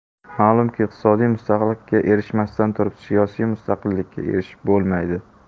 ma'lumki iqtisodiy mustaqillikka erishmasdan turib siyosiy mustaqillikka erishib bo'lmaydi